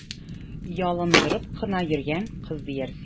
Ялындырып кына йөргән кыз диярсең!